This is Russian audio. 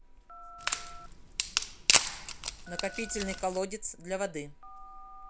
накопительный колодец для воды